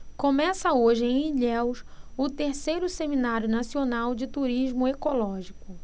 começa hoje em ilhéus o terceiro seminário nacional de turismo ecológico